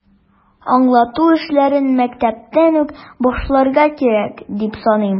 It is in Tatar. Аңлату эшләрен мәктәптән үк башларга кирәк, дип саныйм.